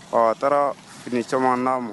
Ɔ a taara fini camandaa ma